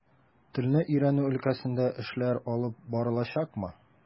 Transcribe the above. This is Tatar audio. Телне өйрәнү өлкәсендә эшләр алып барылачакмы?